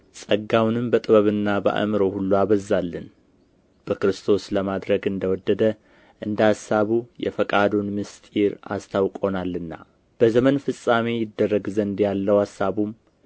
ጸጋውንም በጥበብና በአእምሮ ሁሉ አበዛልን በክርስቶስ ለማድረግ እንደ ወደደ እንደ አሳቡ የፈቃዱን ምሥጢር አስታውቆናልና በዘመን ፍጻሜ ይደረግ ዘንድ ያለው አሳቡም